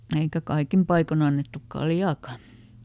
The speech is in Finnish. eikä kaikin paikoin annettu kaljaakaan